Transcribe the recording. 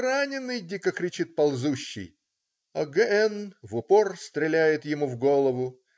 раненый!"-дико кричит ползущий, а Г-н в упор стреляет ему в голову.